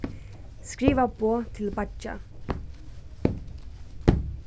skriva boð til beiggja